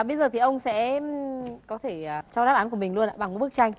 và bây giờ thì ông sẽ có thể cho đáp án của mình luôn ạ bằng bức tranh